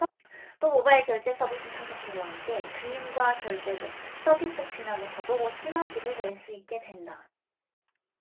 또 모바일 결제 서비스 삼성페이와 함께 금융과 결제 등 서비스 측면에서도 시너지를 낼 수 있게 된다